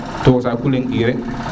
fo saku leng ire